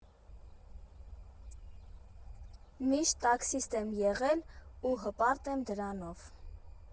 Միշտ տաքսիստ եմ էղել ու հպարտ եմ դրանով։